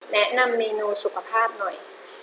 แนะนำเมนูสุขภาพหน่อย